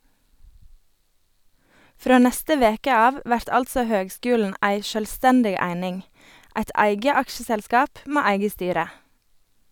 Frå neste veke av vert altså høgskulen ei sjølvstendig eining, eit eige aksjeselskap med eige styre.